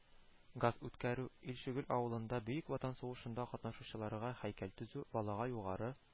Газ үткәрү, илчегол авылында бөек ватан сугышында катнашучыларга һәйкәл төзү, балага югары